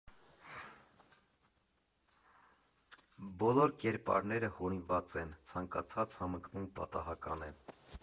ԲՈԼՈՐ ԿԵՐՊԱՐՆԵՐԸ ՀՈՐԻՆՎԱԾ ԵՆ, ՑԱՆԿԱՑԱԾ ՀԱՄԸՆԿՆՈՒՄ ՊԱՏԱՀԱԿԱՆ Է։